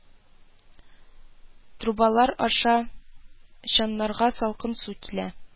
Трубалар аша чаннарга салкын су килә